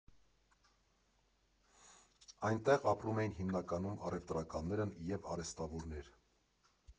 Այնտեղ ապրում էին հիմնականում առևտրականներն և արհեստավորներ։